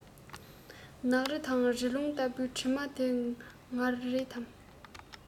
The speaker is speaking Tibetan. ནགས རི དང རི གྲོང ལྟ བུའི གྲིབ མ དེ ང རེད དམ